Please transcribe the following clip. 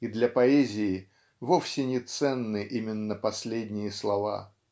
и для поэзии вовсе не ценны именно последние слова.